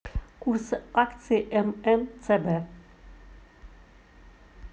курс акций ммцб